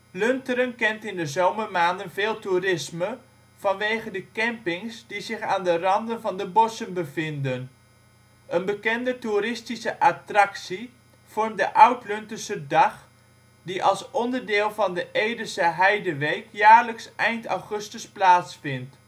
Lunteren kent in de zomermaanden veel toerisme, vanwege de campings die zich aan de randen van de bossen bevinden. Een bekende toeristische attractie vormt de Oud-Lunterse Dag, die als onderdeel van de Edese Heideweek jaarlijks eind augustus plaatsvindt